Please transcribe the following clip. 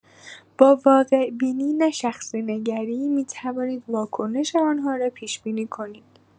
با واقع‌بینی، نه شخصی‌نگری، می‌توانید واکنش آن‌ها را پیش‌بینی کنید.